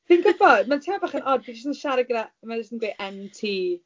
Fi'n gwybod . Mae'n teimlo bach yn od. Fi jyst yn siarad gyda... mae jyst yn dweud MT.